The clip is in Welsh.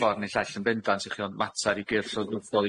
ffor ne'r llall yn bendant i chi ond matar i gyrff llywodraethol